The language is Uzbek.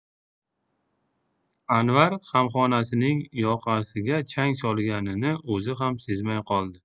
anvar hamxonasining yoqasiga chang solganini o'zi ham sezmay qoldi